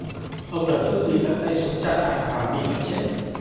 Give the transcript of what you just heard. ông lập tức bị các tay súng chặn lại và bị bắn chết